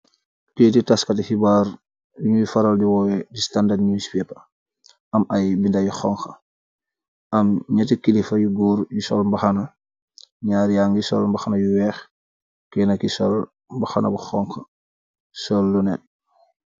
Kayetu tasskati heebar bun ni faral de yoyè standard news paper. Am ay binda yu honkha, am nëtti kilifa yu gòor nu sol mbahana na naar ya ngi sol mbahana yu weeh. Kenna ki sol mbahana bu honku, sol lunèt.